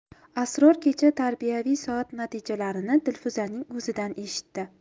asror kecha tarbiyaviy soat natijalarini dilfuzaning o'zidan eshitdi